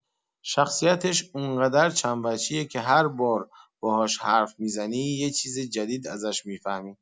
شخصیتش اونقدر چندوجهیه که هر بار باهاش حرف می‌زنی یه چیز جدید ازش می‌فهمی.